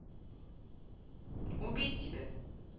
убить тебя